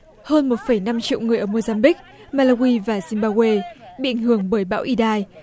hơn một phẩy năm triệu người ở mo dăm bích ma la guy và dim ba guê bị ảnh hưởng bởi bão i đai